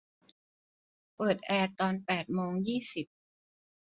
เปิดแอร์ตอนแปดโมงยี่สิบ